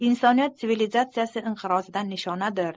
insoniyat sivilizatsiyasi inqirozidan nishonadir